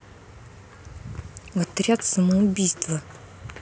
отряд самоубийство